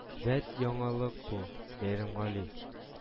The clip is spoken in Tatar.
Вәт яңалык бу, Бәйрәмгали